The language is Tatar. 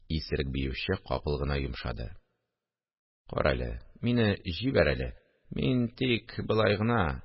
Исерек биюче капыл гына йомшады: – Кара әле, мине җибәр әле, мин тик болай гына